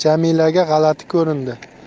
jamilaga g'alati ko'rindi